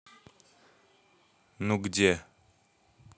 ну где